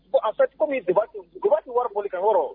Bon a fɛ cogo min wara boli ka wɔɔrɔ